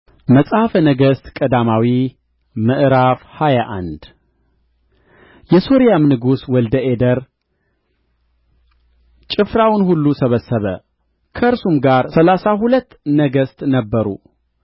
መጽሐፈ ነገሥት ቀዳማዊ ምዕራፍ ሃያ አንድ የሶርያም ንጉሥ ወልደ አዴር ጭፍራውን ሁሉ ሰበሰበ ከእርሱም ጋር ሠላሳ ሁለት ነገሥት ነበሩ